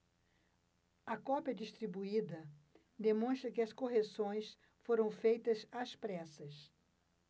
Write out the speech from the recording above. a cópia distribuída demonstra que as correções foram feitas às pressas